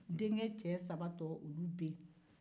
denkɛ tɔ saba olu bɛ yen